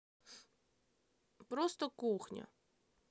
просто кухня